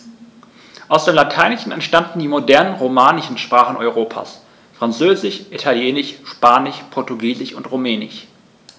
Aus dem Lateinischen entstanden die modernen „romanischen“ Sprachen Europas: Französisch, Italienisch, Spanisch, Portugiesisch und Rumänisch.